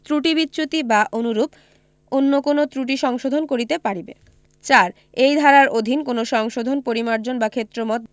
ত্রুটি বিচ্যুতি বা অনুরূপ অন্য কোন ত্রুটি সংশোধন করিতে পারিবে ৪ এই ধারার অধীন কোন সংশোধন পরিমার্জন বা ক্ষেত্রমত